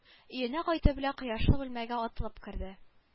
Өенә кайту белән кояшлы бүлмәгә атылып керде